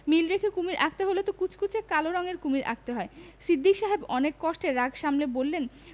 মিল রেখে কুমীর আঁকতে হলে তো কুচকুচে কালো রঙের কুমীর আঁকতে হয় সিদ্দিক সাহেব অনেক কষ্টে রাগ সামলে বললেন